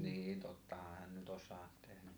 niin tottahan hän nyt osaa tehdä